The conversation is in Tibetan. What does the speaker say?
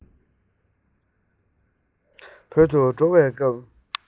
བོད དུ འགྲོ བའི གོ སྐབས